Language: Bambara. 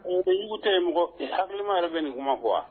Jugu tɛ yen mɔgɔ hama yɛrɛ bɛ nin kuma wa